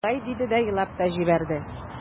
Шулай диде дә елап та җибәрде.